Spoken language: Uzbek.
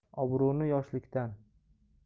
obro'ni yoshlikdan